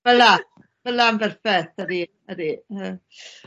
...fela, fela am ydi ydi ie.